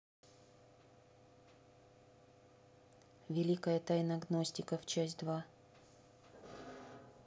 великая тайна гностиков часть два